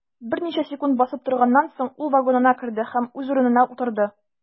Берничә секунд басып торганнан соң, ул вагонга керде һәм үз урынына утырды.